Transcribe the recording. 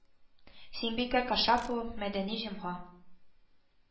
Сөембикә Кашапова, Мәдәни җомга